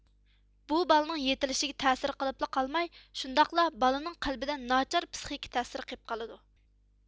بۇ بالىنىڭ يېتىلىشىگە تەسىر قىلىپلا قالماي شۇنداقلا بالىنىڭ قەلبىدە ناچار پسىخىكا تەسىرى قېپقالىدۇ